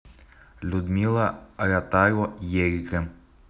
людмила ротару ерика